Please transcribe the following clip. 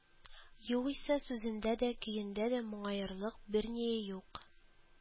Югыйсә, сүзендә дә, көендә дә моңаерлык берние юк